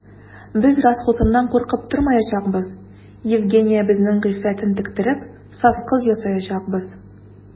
Без расхутыннан куркып тормаячакбыз: Евгениябезнең гыйффәтен тектереп, саф кыз ясаячакбыз.